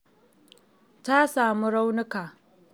Ta samu raunuka.